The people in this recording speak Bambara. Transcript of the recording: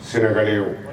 Senegali o